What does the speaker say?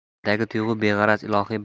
mendagi tuyg'u beg'araz ilohiy